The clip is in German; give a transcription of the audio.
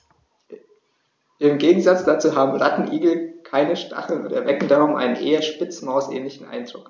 Im Gegensatz dazu haben Rattenigel keine Stacheln und erwecken darum einen eher Spitzmaus-ähnlichen Eindruck.